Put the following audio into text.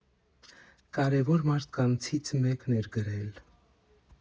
Կարևոր մարդկանցից մեկն էր գրել.